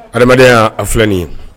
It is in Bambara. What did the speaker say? Adamadenya a filɛ nin ye.